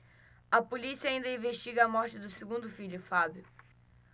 a polícia ainda investiga a morte do segundo filho fábio